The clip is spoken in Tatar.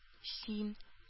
Син